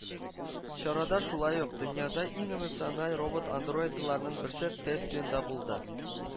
Чарада шулай ук, дөньяда иң эмоциональ робот-андроидларның берсе теспиан да булды